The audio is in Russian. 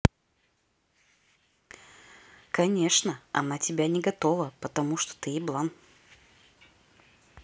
конечно она тебя не готова потому что ты еблан